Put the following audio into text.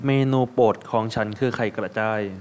เมนูโปรดของฉันคือไข่กระจาย